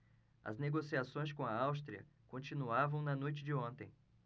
as negociações com a áustria continuavam na noite de ontem